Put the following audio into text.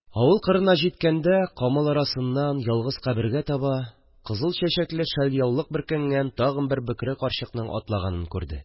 Авыл кырына җиткәндә, камыл арасыннан ялгыз кабергә таба кызыл чәчәкле шәльяулык бөркәнгән тагын бер бөкре карчыкның атлаганын күрде